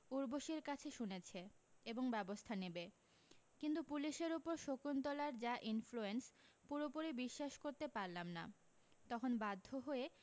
ঊর্বশীর কাছে শুনেছে এবং ব্যবস্থা নেবে কিন্তু পুলিসের উপর শকুন্তলার যা ইনফ্লুয়েন্স পুরোপুরি বিশ্বাস করতে পারলাম না তখন বাধ্য হয়ে